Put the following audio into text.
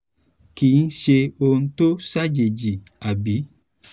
”Kì í ṣe ohun tó ṣàjèjì, àbí?”